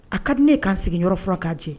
A ka di ne ka sigi yɔrɔ fɔlɔ k'a cɛ